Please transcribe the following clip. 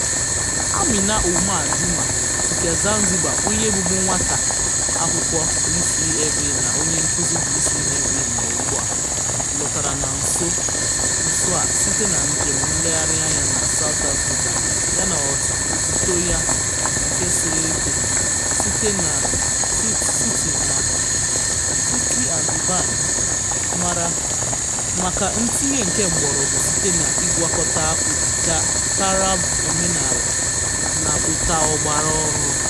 Amina Omar Juma nke Zanzibar, onye bụbu nwata akwụkwọ DCMA na onye nkụzi DCMA nọ ugbu a, lọtara na nso a site na njem nlegharị anya na South Africa ya na otuto ya nke siri ike, "Siti and the Band", mara maka "ntinye nke mgbọrọgwụ" site na ịgwakọta ụda taarab omenaala na ụda ọgbara ọhụrụ.